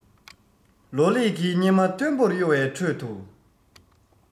ལོ ལེགས ཀྱི སྙེ མ མཐོན པོར གཡོ བའི ཁྲོད དུ